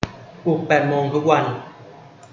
ปลุกแปดโมงทุกวัน